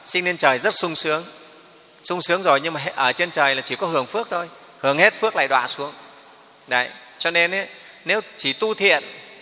sinh lên trời rất sung sướng sung sướng rồi nhưng mà ở trên trời là chỉ có hưởng phước thôi hưởng hết phước lại đọa xuống cho nên nếu chỉ tu thiện